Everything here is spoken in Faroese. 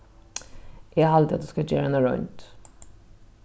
eg haldi at tú skalt gera eina roynd